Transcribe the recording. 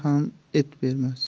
ham et bermas